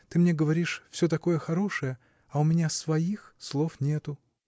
ты мне говоришь все такое хорошее, а у меня своих слов нету.